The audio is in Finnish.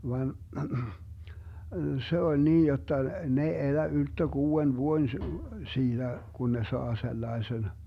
vaan se oli niin jotta ne ei elä ylttö kuuden vuoden siitä kun ne saa sellaisen